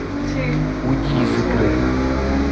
уйди из игры